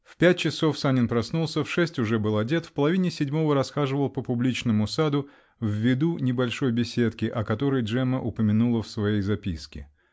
В пять часов Санин проснулся, в шесть уже был одет, в половине седьмого расхаживал по публичному саду, в виду небольшой беседки, о которой Джемма упомянула в своей записке.